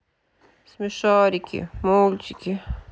смешарики мультики